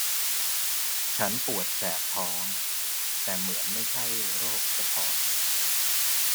ฉันปวดแสบท้องแต่เหมือนไม่ใช่โรคกระเพาะ